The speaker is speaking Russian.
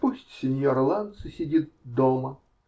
Пусть синьора Ланци сидит дома.